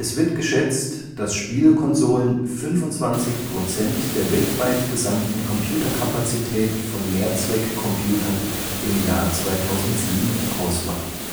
wird geschätzt, dass Spielekonsolen 25 % der weltweit gesamten Computerkapazität von Mehrzweckcomputern im Jahr 2007 ausmachten